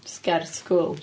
Sgert cwl.